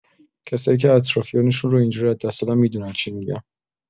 کسایی که اطرافیانشون رو اینجور از دست دادن می‌دونن چی می‌گم.